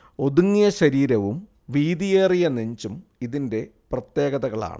ഒതുങ്ങിയ ശരീരവും വീതിയേറിയ നെഞ്ചും ഇതിന്റെ പ്രത്യേകതകളാണ്